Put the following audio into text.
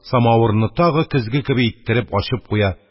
Самавырны тагы көзге кеби иттереп ачып куя,